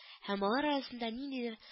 Һәм алар арасында ниндидер